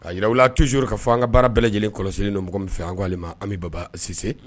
A yiw tu syur ka fɔ an ka baara bɛɛ lajɛlen kɔlɔsi ni mɔgɔ min fɛ an k'ale ma an bɛ baba sise